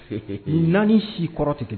Naani si kɔrɔ tigɛ